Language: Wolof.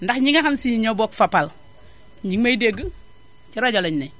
ndax ñi nga xam si ñoo bokk Fapal ñu ngi may dégg ci rajo lañu ne